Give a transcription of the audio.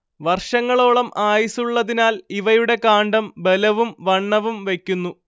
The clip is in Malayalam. വർഷങ്ങളോളം ആയുസ്സുള്ളതിനാൽ ഇവയുടെ കാണ്ഡം ബലവും വണ്ണവും വയ്ക്കുന്നു